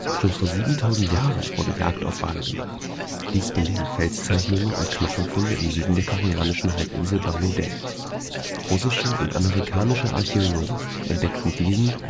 Schon vor 7.000 Jahren wurde Jagd auf Wale gemacht; dies belegen Felszeichnungen und Knochenfunde im Süden der Koreanischen Halbinsel Bangu-Dae (in der Nähe von Ulsan). Russische und amerikanische Archäologen entdeckten diesen